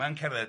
Ma'n cerdded